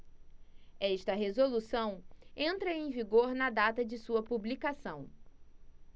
esta resolução entra em vigor na data de sua publicação